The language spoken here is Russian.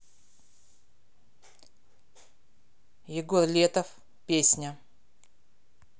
егор летов песня